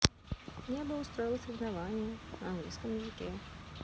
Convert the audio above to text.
небо устроило соревнование на английском языке